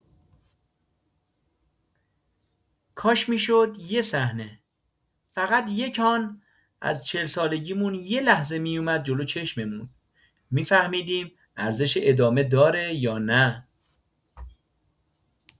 کاش می‌شد یک صحنه، فقط یک آن از چهل سالگیمون یه لحظه میومد جلو چشممون، می‌فهمیدیم ارزش ادامه داره یا نه